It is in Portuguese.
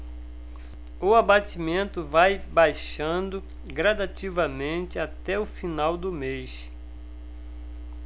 o abatimento vai baixando gradativamente até o final do mês